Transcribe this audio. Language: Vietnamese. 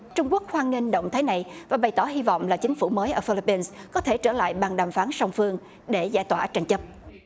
trung quốc hoan nghênh động thái này và bày tỏ hy vọng là chính phủ mới ở phơ líp pin có thể trở lại bàn đàm phán song phương để giải tỏa tranh chấp